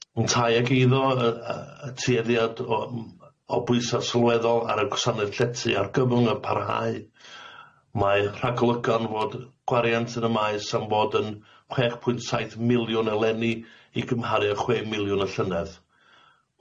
Yn tai ag iddo y y y tueddiad o m- o bwysa sylweddol ar y gwasaneth llety ar gyfwng y parhau, mae rhagolygon fod gwariant yn y maes am fod yn chwech pwynt saith miliwn eleni i gymharu â chwe miliwn y llynedd.